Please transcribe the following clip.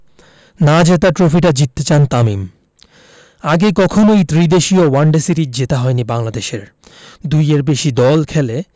না জেতা ট্রফিটা জিততে চান তামিম আগে কখনোই ত্রিদেশীয় ওয়ানডে সিরিজ জেতা হয়নি বাংলাদেশের দুইয়ের বেশি দল খেলে